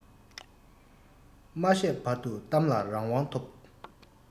མ བཤད བར དུ གཏམ ལ རང དབང ཐོབ